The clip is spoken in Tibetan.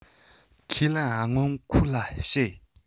ཁས ལེན སྔོན ཁོ ལ བཤད